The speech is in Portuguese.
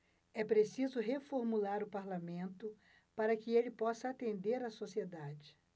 é preciso reformular o parlamento para que ele possa atender a sociedade